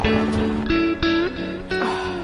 O!